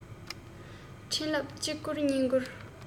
འཕྲིན ལབ གཅིག བསྐུར གཉིས བསྐུར